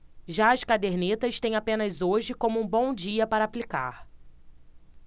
já as cadernetas têm apenas hoje como um bom dia para aplicar